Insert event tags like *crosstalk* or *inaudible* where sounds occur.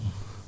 *hesitation* *hesitation*